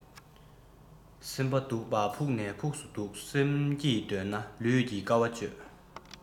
སེམས པ སྡུག པ ཕུགས ནས ཕུགས སུ སྡུག སེམས སྐྱིད འདོད ན ལུས ཀྱིས དཀའ བ སྤྱོད